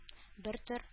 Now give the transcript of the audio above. Бертөр